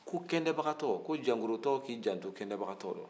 ko kɛngɛbagatɔ ko jangolo k'i janto kɛngɛbagatɔ la